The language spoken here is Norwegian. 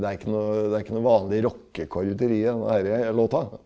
det er ikke noe det er ikke noe vanlig rocke-akkorder i den herre låta.